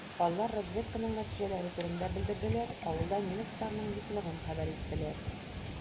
Алар разведканың нәтиҗәләре турында белдерделәр, авылда немецларның юклыгын хәбәр иттеләр.